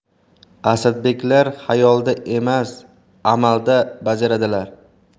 asadbeklar xayolda emas amalda bajarardilar